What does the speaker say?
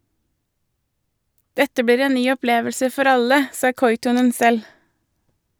Dette blir en ny opplevelse for alle , sa Kuitunen selv.